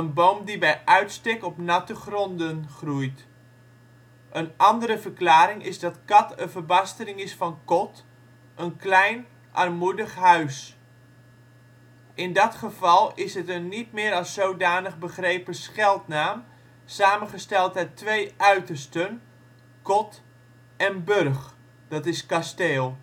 boom die bij uitstek op natte gronden groeit. Een andere verklaring is dat kat een verbastering is van kot (een klein, armoedig huis). In dat geval is het een niet meer als zodanig begrepen scheldnaam samengesteld uit twee uitersten: kot en burg (= kasteel